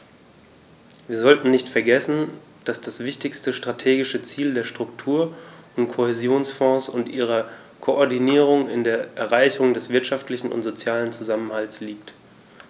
Wir sollten nicht vergessen, dass das wichtigste strategische Ziel der Struktur- und Kohäsionsfonds und ihrer Koordinierung in der Erreichung des wirtschaftlichen und sozialen Zusammenhalts liegt.